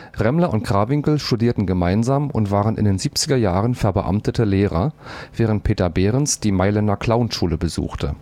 Remmler und Krawinkel studierten gemeinsam und waren in den 1970er Jahren verbeamtete Lehrer, während Peter Behrens die Mailänder Clownschule besuchte